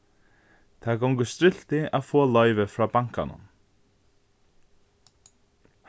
tað gongur striltið at fáa loyvi frá bankanum